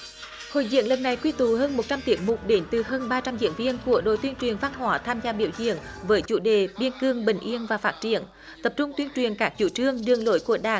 hội diễn lần này quy tụ hơn một trăm tiết mục đến từ hơn ba trăm diễn viên của đội tuyên truyền văn hóa tham gia biểu diễn với chủ đề biên cương bình yên và phát triển tập trung tuyên truyền các chủ trương đường lối của đảng